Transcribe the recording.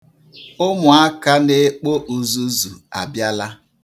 Ụmụaka na-ekpo uzuzu abịala.